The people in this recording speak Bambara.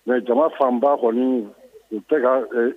Mɛ jama fanba kɔni u tɛ